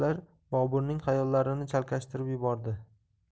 gaplar boburning xayollarini chalkashtirib yubordi